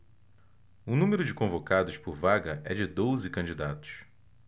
o número de convocados por vaga é de doze candidatos